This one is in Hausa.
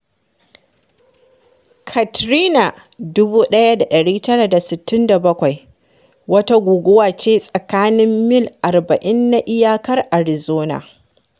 Katrina (1967) wata guguwa ce tsakanin mil 40 na iyakar Arizona.”